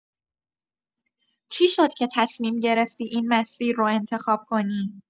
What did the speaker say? چی شد که تصمیم گرفتی این مسیر رو انتخاب کنی؟